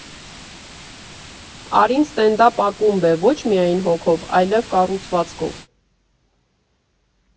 «Արին» ստենդափ ակումբ է ոչ միայն հոգով, այլև կառուցվածքով։